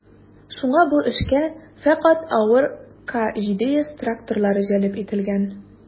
Шуңа бу эшкә фәкать авыр К-700 тракторлары җәлеп ителгән.